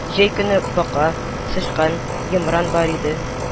Җәй көне бака, сычкан, йомран бар иде